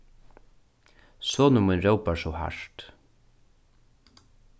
sonur mín rópar so hart